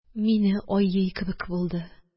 Мине айый кебек булды